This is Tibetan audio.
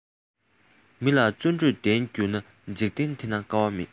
མི ལ བརྩོན འགྲུས ལྡན འགྱུར ན འཇིག རྟེན འདི ན དཀའ བ མེད